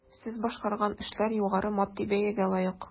Сез башкарган эшләр югары матди бәягә лаек.